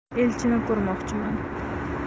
elchini ko'rmoqchiman